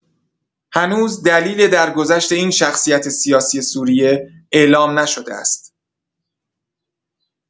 هنوز دلیل درگذشت این شخصیت سیاسی سوریه اعلام نشده است.